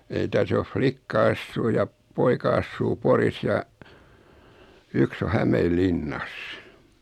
ei tässä on likka asuu ja poika asuu Porissa ja yksi on Hämeenlinnassa